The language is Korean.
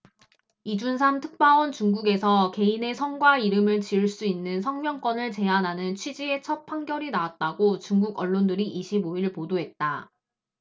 이준삼 특파원 중국에서 개인의 성과 이름을 지을 수 있는 성명권을 제한하는 취지의 첫 판결이 나왔다고 중국언론들이 이십 오 일 보도했다